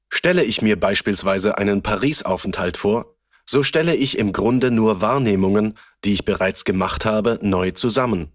Stelle ich mir beispielsweise einen Paris-Aufenthalt vor, so stelle ich im Grunde nur Wahrnehmungen, die ich bereits gemacht habe, neu zusammen